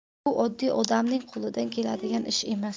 bu oddiy odamning qo'lidan keladigan ish emas